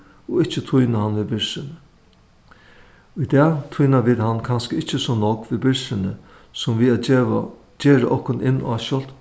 og ikki týna hann við byrsuni í dag týna vit hann kanska ikki so nógv við byrsuni sum við at geva gera okkum inn á sjálvt